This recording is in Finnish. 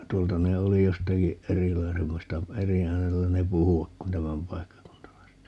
tuolta ne oli jostakin erilaisemmasta eri äänellä ne puhuvat kuin tämänpaikkakuntalaiset